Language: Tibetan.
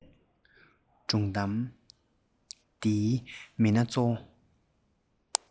སྒྲུང གཏམ འདིའི མི སྣ གཙོ བོ